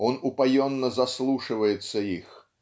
Он упоенно заслушивается их